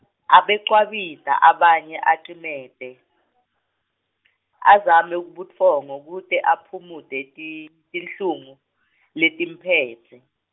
Abecwabita abuye acimete , azame butfongo kute aphumute ti- tinhlungu letimphetse.